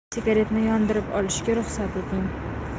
sigaretni yondirib olishga ruxsat eting